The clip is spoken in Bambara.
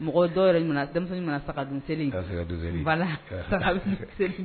Mɔgɔ dɔw yɛrɛ denmisɛnnin minɛ sa ka don